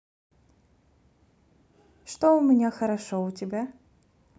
что у меня хорошо у тебя